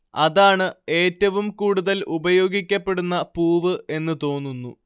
അതാണ് ഏറ്റവും കൂടുതൽ ഉപയോഗിക്കപ്പെടുന്ന പൂവ് എന്നു തോന്നുന്നു